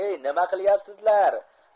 e nima qilyapsizlar